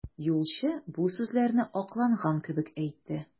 Юлчы бу сүзләрне акланган кебек әйтте.